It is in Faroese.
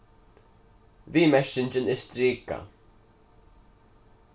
viðmerkingin er strikað